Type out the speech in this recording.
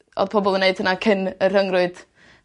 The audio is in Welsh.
odd pobol yn neud hwnna cyn y rhyngrwyd.